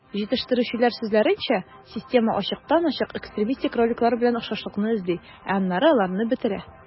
Җитештерүчеләр сүзләренчә, система ачыктан-ачык экстремистик роликлар белән охшашлыкны эзли, ә аннары аларны бетерә.